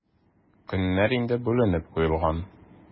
Көннәр инде бүленеп куелган.